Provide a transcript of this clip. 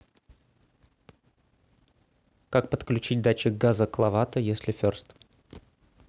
как подключить датчик газа к лавато если first